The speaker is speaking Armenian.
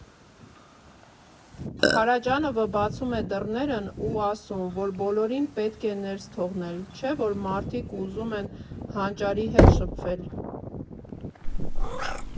Փարաջանովը բացում է դռներն ու ասում, որ բոլորին պետք է ներս թողնել, չէ՞ որ մարդիկ ուզում են հանճարի հետ շփվել։